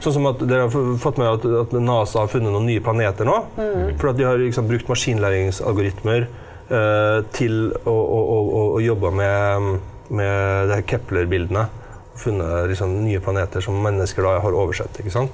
sånn som at dere har fått med dere at at NASA har funnet noen nye planeter nå fordi at de har liksom brukt maskinlæringsalgoritmer til å å å å jobbe med med det her keplerbildene funnet liksom nye planeter som mennesker da har oversett ikke sant.